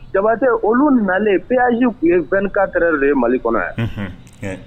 Jabate olu nalen PAJ tun ye 24 heures de ye Mali kɔnɔ yan unhun